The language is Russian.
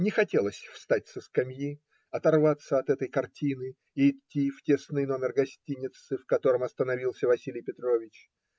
Не хотелось встать со скамьи, оторваться от этой картины и идти в тесный номер гостиницы, в котором остановился Василий Петрович.